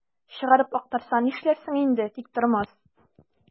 Чыгарып актарса, нишләрсең инде, Тиктормас?